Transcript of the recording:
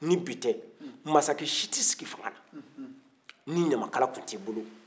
ni bi tɛ mansakɛ si tɛ sigi fangala ni ɲamakala tun t'i bolo